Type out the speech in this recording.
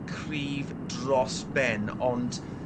cryf dros ben ond